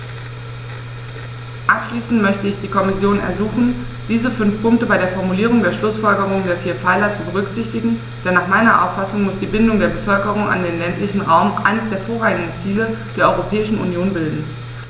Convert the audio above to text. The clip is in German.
Abschließend möchte ich die Kommission ersuchen, diese fünf Punkte bei der Formulierung der Schlußfolgerungen der vier Pfeiler zu berücksichtigen, denn nach meiner Auffassung muss die Bindung der Bevölkerung an den ländlichen Raum eines der vorrangigen Ziele der Europäischen Union bilden.